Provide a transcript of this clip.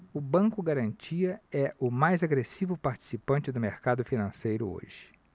o banco garantia é o mais agressivo participante do mercado financeiro hoje